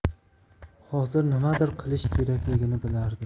hozir nimadir qilish kerakligini bilardi